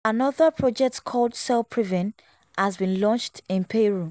Another project called Cell-PREVEN has been launched in Peru.